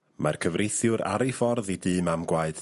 Mae'r cyfreithiwr ar ei ffordd i dŷ mam gwaed...